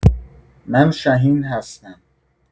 من شهین هستم.